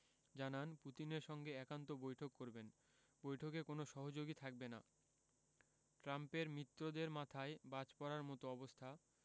জানান পুতিনের সঙ্গে একান্ত বৈঠক করবেন বৈঠকে কোনো সহযোগী থাকবেন না ট্রাম্পের মিত্রদের মাথায় বাজ পড়ার মতো অবস্থা